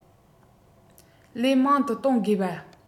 ལས མང དུ གཏོང དགོས པ